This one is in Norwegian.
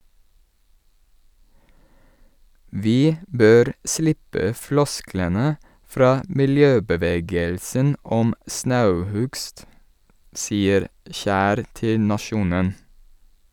Vi bør slippe flosklene fra miljøbevegelsen om snauhugst, sier Kjær til Nationen.